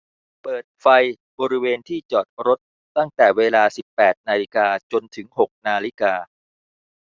เปิดไฟบริเวณที่จอดรถตั้งแต่เวลาสิบแปดนาฬิกาจนถึงหกนาฬิกา